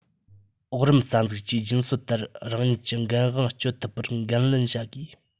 འོག རིམ རྩ འཛུགས ཀྱིས རྒྱུན སྲོལ ལྟར རང ཉིད ཀྱི འགན དབང སྤྱོད ཐུབ པར འགན ལེན བྱ དགོས